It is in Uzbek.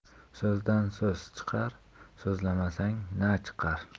so'zdan so'z chiqar so'zlamasang na chiqar